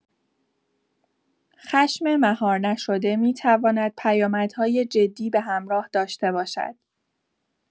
خشم مهارنشده می‌تواند پیامدهای جدی به همراه داشته باشد.